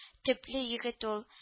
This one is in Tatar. Төпле егет ул